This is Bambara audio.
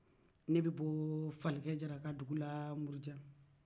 ne bɛ bɔ falikɛ diarra